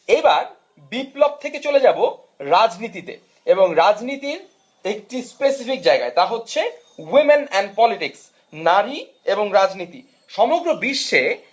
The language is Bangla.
এবার বিপ্লব থেকে চলে যাব রাজনীতিতে এবং রাজনীতির একটি স্পেসিফিক জায়গায় তা হচ্ছে উইমেন অ্যান্ড পলিটিক্স নারী এবং রাজনীতি সমগ্র বিশ্বে